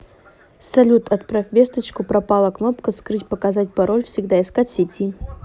салют отправь весточку пропала кнопка скрыть показать пароль всегда искать сети